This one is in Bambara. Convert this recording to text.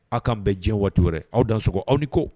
Aw k'an bɛɛ diɲɛ waati wɛrɛ aw dan sɔgɔ aw ni ko